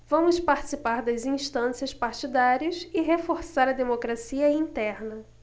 vamos participar das instâncias partidárias e reforçar a democracia interna